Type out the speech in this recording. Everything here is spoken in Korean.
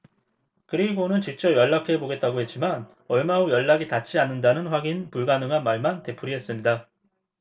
그리고는 직접 연락해보겠다고 했지만 얼마 후 연락이 닿지 않는다는 확인 불가능한 말만 되풀이했습니다